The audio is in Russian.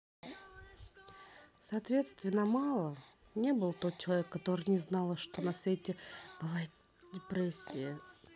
соответственно мало не был тот человек который не знала что на свете бывает депрессия